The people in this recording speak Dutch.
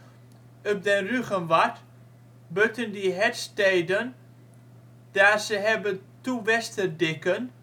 den Rughenwarth, butten die Hertsteeden, daer ze hebben toe Westerdicken